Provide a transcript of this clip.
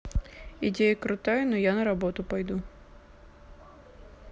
идея крутая но я на работу пойду